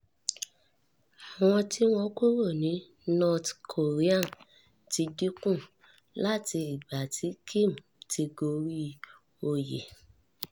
Àwọn tí wọ́n kúrò ní North Korea ti dínkù láti ìgbà tí Kim ti gorí oyè